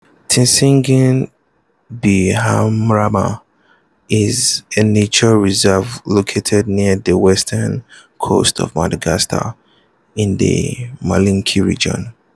Tsingy de Bemaraha is a nature reserve located near the western coast of Madagascar in the Melaky Region.